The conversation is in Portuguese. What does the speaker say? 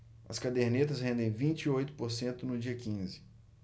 as cadernetas rendem vinte e oito por cento no dia quinze